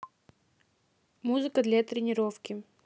музыка для тренировки